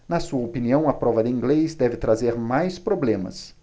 na sua opinião a prova de inglês deve trazer mais problemas